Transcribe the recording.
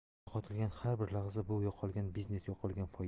yo'qotilgan har bir lahza bu yo'qolgan biznes yo'qolgan foyda